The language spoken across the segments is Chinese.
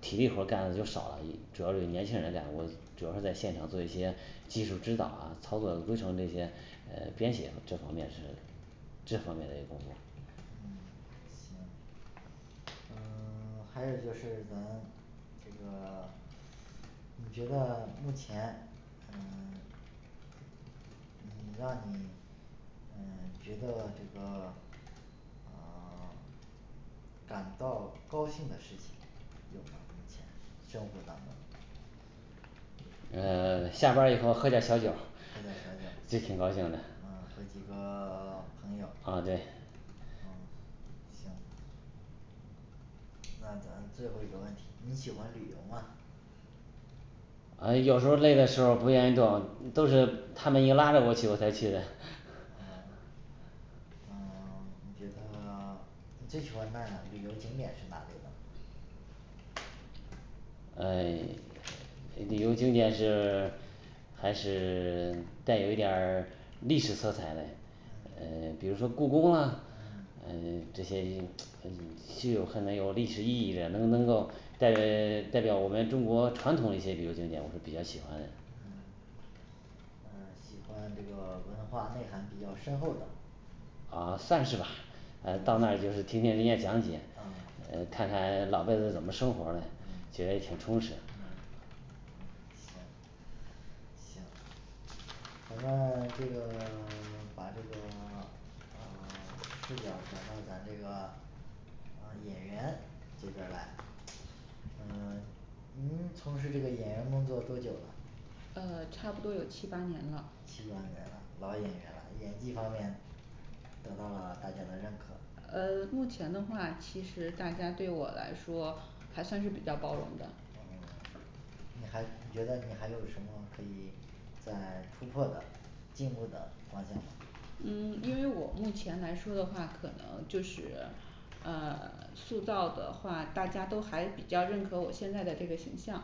体力活儿干的就少了，主要是由年轻人干，我主要是在现场做一些技术指导啊操作规程这些呃编写这方面这方面嘞工作。感到高兴的事情，目目前生活上的。嗯，下班以后喝点儿小酒喝点儿小酒儿这挺高兴的嗯，和几个 朋友嗯对嗯 行，那咱最后一个问题，你喜欢旅游吗？嗯，有时候儿累的时候儿不愿意动，都是她们硬拉着我去我才去的。 嗯嗯 你觉得 最喜欢在哪旅游景点是哪里呢？呃 旅游景点是 还是 带有一点儿历史色彩嘞。诶比如说故宫啊嗯嗯 这些很具有很有历史意义嘞，能能够代 代表我们中国传统的一些旅游景点，我是比较喜欢嘞嗯嗯，喜欢这个文化内涵比较深厚的呃，算是吧。呃到那儿就是听听人家讲解嗯呃看看老辈子怎么生活儿的嗯觉得也挺充实的嗯嗯 行，行咱们 这个 把这个 嗯 视角儿转到咱这个 呃演员这边儿来嗯 您从事这个演员工作多久了？呃，差不多有七八年吧七八年了，老演员了，演技方面得到了大家的认可呃目前的话其实大家对我来说还算是比较包容的噢你还你觉得你还有什么可以再突破的？进步的方向？嗯 因为我目前来说的话，可能就是呃塑造的话，大家都还比较认可我现在的这个形象，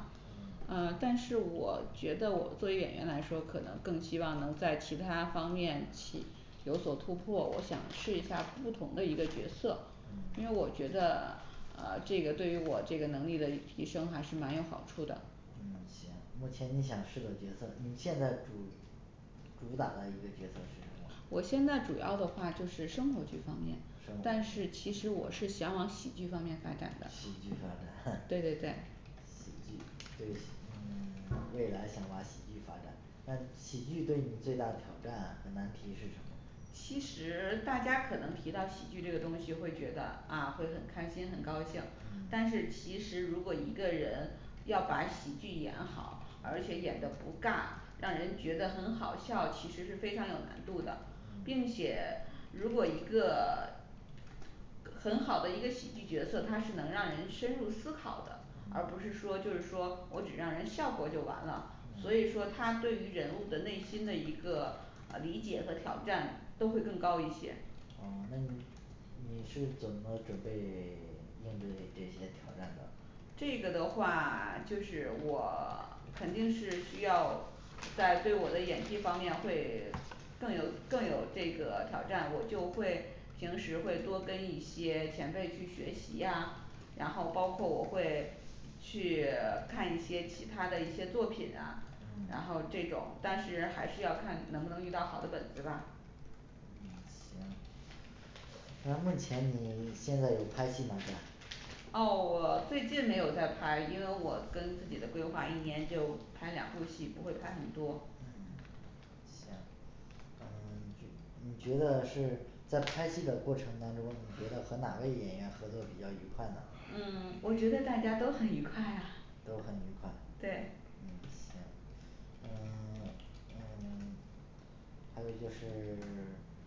嗯，但是我觉得我作为演员来说，可能更希望能在其他方面起有所突破我想试一下不同的一个角色嗯，因为我觉得呃，这个对于我这个能力的提升还是蛮有好处的。嗯，行，目前你想试个角色，你现在主主打的一个角色是什么？我现在主要的话就是生活这方面，但是生活其实我是想往喜剧方面发展的喜剧发对对对展 喜剧，未嗯 未来想往喜剧发展，那喜剧对你最大的挑战和难题是什么？其实大家可能提到喜剧这个东西会觉得啊会很开心很高兴嗯但是其实如果一个人要把喜剧演好而且演得不尬，让人觉得很好笑，其实是非常有难度的嗯并且如果一个很好的一个喜剧角色，它是能让人深入思考的嗯而不是说就是说我只让人笑会儿就完了嗯所以说他对于人物的内心的一个呃理解和挑战都会更高一些哦那你你是怎么准备 应对这些挑战的？这个的话就是我 肯定是需要在对我的演技方面会 更有更有这个挑战，我就会平时会多跟一些前辈去学习呀然后包括我会去 看一些其他的一些作品啊嗯然后这种但是还是要看能不能遇到好的本子吧嗯，行那目前你现在有拍戏吗？在哦，我最近没有在拍，因为我跟自己的规划一年就拍两部戏，不会拍很多嗯行？嗯就 你觉得是在拍戏的过程当中，你觉得和哪位演员合作比较愉快呢？嗯，我觉得大家都很愉快呀都很愉快 对嗯，行。 嗯 嗯 还有就是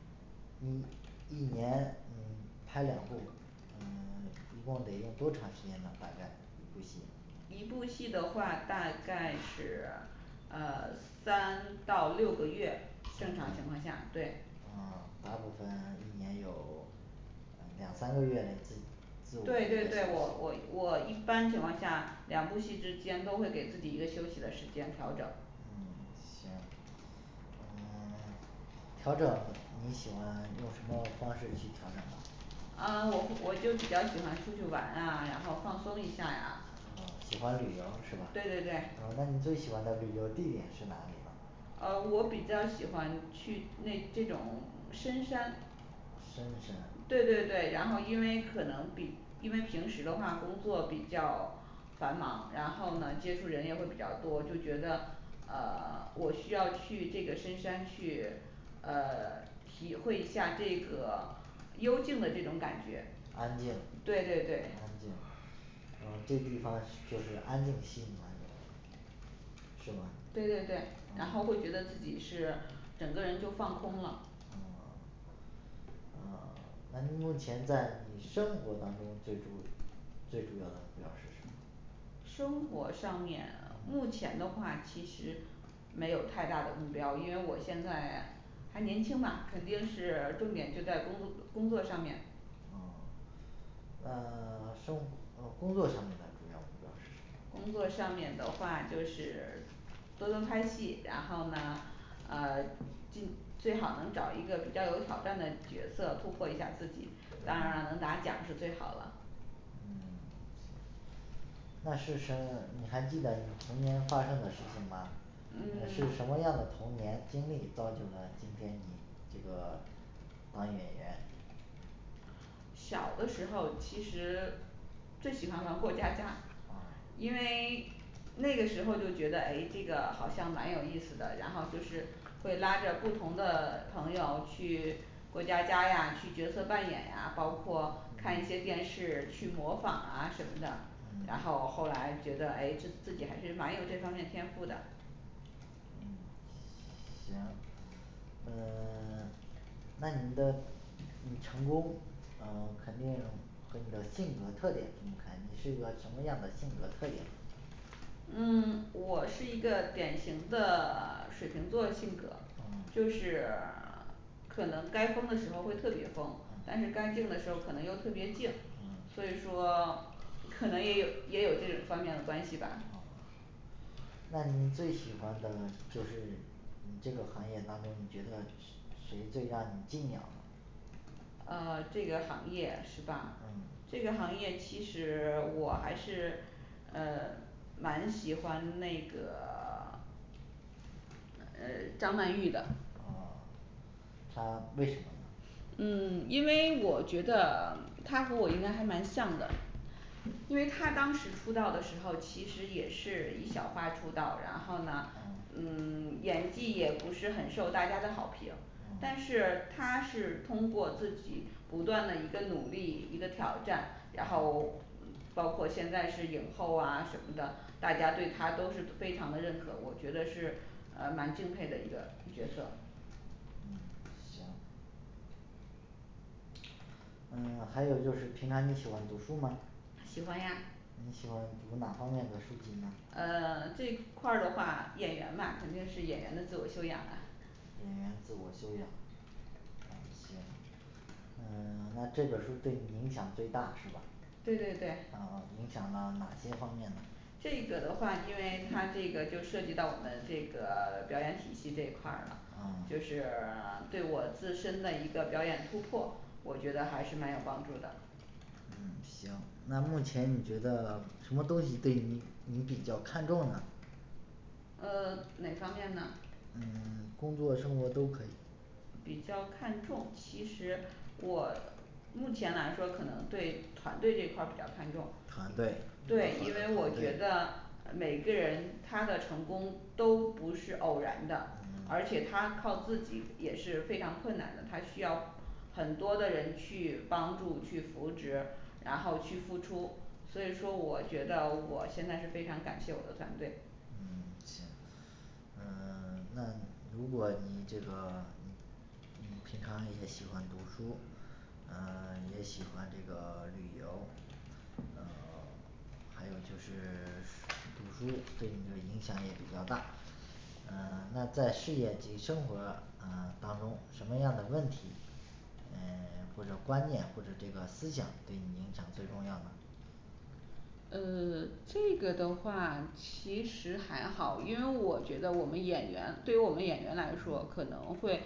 一一年你拍两部，嗯 一共得用多长时间呢？大概一部戏一部戏的话大概是呃三到六个月，正常情况下对呃，大部分一年有嗯两三个月四对对对，我五我我一般情况下两部戏之间都会给自己一个休息的时间调整。嗯，行，嗯 调整，你喜欢用什么方式去调整？嗯，我我就比较喜欢出去玩呀，然后放松一下呀嗯，喜欢旅游是吗？对对对啊那你最喜欢的旅游地点是哪里呢？呃，我比较喜欢去那这种深山。深山对对对，然后因为可能比因为平时的话工作比较繁忙，然后呢接触人也会比较多，就觉得呃 我需要去这个深山去呃 体会一下这个幽静的这种感觉安静对对对安静呃这一方就是安静吸引了你是吗对对对，嗯然后会觉得自己是整个人就放空了。嗯，嗯，那您目前在你生活当中最主最主要的目标儿是啥？生活上面目前的话其实没有太大的目标儿，因为我现在还年轻嘛，肯定是重点就在工作工作上面。嗯那 生噢工作上面的主要目标是什么呢？工作上面的话就是多多拍戏，然后呢啊进 最好能找一个比较有挑战的角色突破一下自己，当然了能拿奖是最好了。嗯 行。那是生 你还记得你童年发生的事情吗嗯？是什 么样的童年经历造就了今天你这个当演员小的时候其实最喜欢玩儿过家家 嗯因为 那个时候就觉得哎这个好像蛮有意思的，然后就是会拉着不同的朋友去过家家呀去角色扮演呀，包括看一些嗯电视去模仿啊什么的，嗯然后后来觉得哎自自己还是蛮有这方面天赋的。嗯，行嗯 那你的你成功啊肯定和你的性格特点，你看你是一个什么样的性格特点？嗯 我是一个典型的 水瓶座儿性格儿啊就是呃 可能该疯的时候会特别疯但是嗯该静的时候可能又特别静嗯嗯所以说 可能也有也有这方面的关系吧嗯那你最喜欢的就是这个行业当中，你觉得谁谁最让你敬仰呢？啊这个行业是吧？嗯这个行业其实 我还是呃蛮喜欢那个 呃张曼玉的。啊他为什么？嗯，因为我觉得他和我应该还蛮像的，因为他当时出道的时候其实也是一小花出道，然后呢嗯嗯 演技也不是很受大家的好评但嗯是他是通过自己不断的一个努力一个挑战，然后包括现在是影后啊什么的，大家对他都是非常的认可，我觉得是呃蛮敬佩的一个角色。嗯，行。嗯 还有就是平常你喜欢读书吗你喜喜欢欢呀读哪方面的书籍呢？嗯 这块儿的话演员吧肯定是演员的自我修养啊。演员的自我修养，嗯，行。呃那这本儿书对你影响最大是吧？对对对嗯嗯，影响了哪些方面呢？这个的话因为它这个就涉及到我们这个表演体系这一块儿了嗯就是 对我自身的一个表演突破，我觉得还是蛮有帮助的。嗯，行，那目前你觉得什么东西对你你比较看重呢？呃 哪方面呢？嗯 工作生活都可以比较看中其实我目前来说可能对团队这块儿比较看重团队对，因为我觉得每个人他的成功都不是偶然的嗯而且他靠自己也是非常困难的，他需要很多的人去帮助去扶植，然后去付出，所以说我觉得我现在是非常感谢我的团队嗯，行，嗯 那如果你这个你嗯平常也喜欢读书，呃 也喜欢这个旅游，呃 还有就是 读书对你的影响也比较大，嗯 那在事业及生活呃当中什么样的问题呃或者观念或者这个思想对你影响最重要呢？嗯 这个的话其实还好，因为我觉得我们演员对于我们演员来说可能会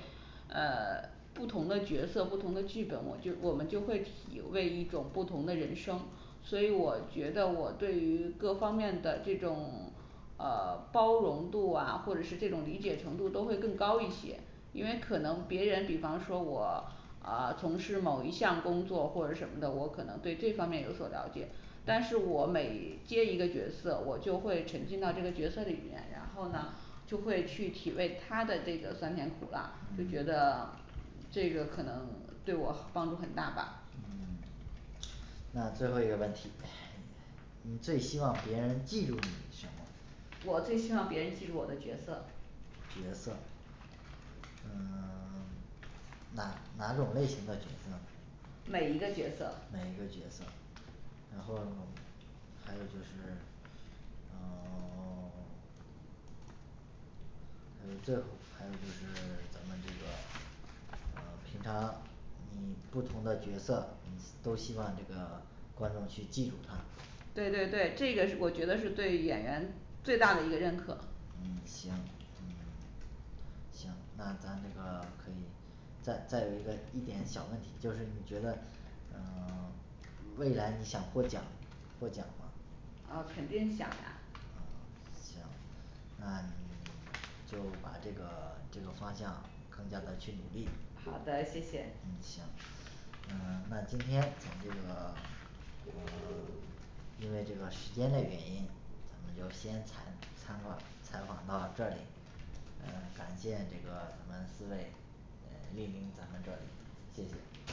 呃， 不同的角色，不同的剧本，我就我们就会体味一种不同的人生所以我觉得我对于各方面的这种呃包容度啊或者是这种理解程度都会更高一些，因为可能别人比方说我呃，从事某一项工作或者什么的，我可能对这方面有所了解，但是我每接一个角色，我就会沉浸到这个角色里面，然后呢就会去体味他的这个酸甜苦辣，就觉嗯得 这个可能对我帮助很大吧嗯 那最后一个问题，你最希望别人记住你什么？我最希望别人记住我的角色角色嗯 哪哪种类型的角色呢每每一一个个角角色色然后还有就是嗯 嗯这，还有就是咱们这个呃平常你不同的角色，你都希望这个观众去记住她，对对对，这个是我觉得是对演员最大的一个认可。嗯，行，嗯 行，那咱这个可以再再有一个一点小问题，就是你觉得嗯 未来你想获奖获奖吗嗯，肯定想呀嗯，行那你 就把这个这个方向更加的去努力好的，谢谢嗯行呃 那今天咱们这个呃因为这个时间的原因，咱们就先采采访采访到这里。呃 感谢这个咱们四位呃莅临咱们这里，谢谢